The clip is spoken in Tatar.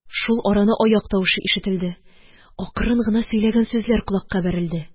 Шул араны аяк тавышы ишетелде, акрын гына сөйләгән сүзләр колакка бәрелде.